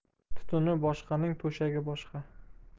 tutuni boshqaning to'shagi boshqa